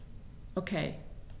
Okay.